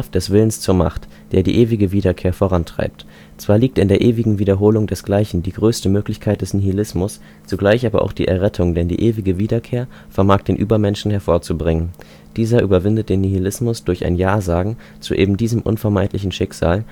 des Willens zur Macht, der die Ewige Wiederkehr vorantreibt. Zwar liegt in der ewigen Wiederholung des Gleichen die größte Möglichkeit des Nihilismus, zugleich aber auch die Errettung, denn die ewige Wiederkehr vermag den „ Übermenschen “hervorzubringen. Dieser überwindet den Nihilismus durch ein Ja-Sagen zu eben diesem unvermeidlichen Schicksal